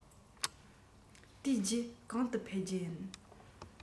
དེ རྗེས གང དུ ཕེབས རྒྱུ ཡིན